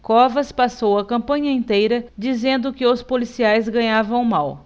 covas passou a campanha inteira dizendo que os policiais ganhavam mal